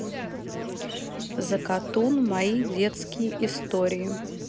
закатун мои детские истории